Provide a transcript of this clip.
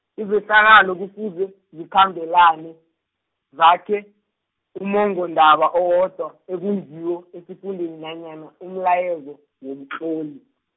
izehlakalo kufuze, zikhambelane, zakhe, ummongondaba owodwa, ekungiwo, esifundeni, nanyana, umlayezo, womtloli.